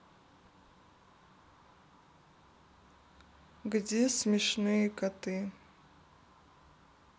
где смешные коты